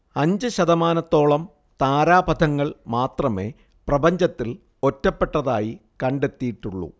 അഞ്ച് ശതമാനത്തോളം താരാപഥങ്ങൾ മാത്രമേ പ്രപഞ്ചത്തിൽ ഒറ്റപ്പെട്ടതായി കണ്ടെത്തിയിട്ടുള്ളൂ